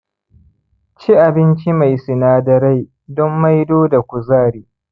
ci abinci mai sinadarai don maido da kuzari